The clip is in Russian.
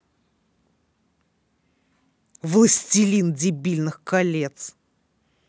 властелин дебильных колец